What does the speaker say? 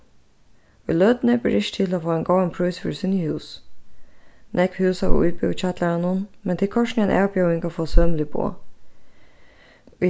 í løtuni ber ikki til at fáa ein góðan prís fyri síni hús nógv hús hava íbúð í kjallaranum men tað er kortini ein avbjóðing at fáa sømilig boð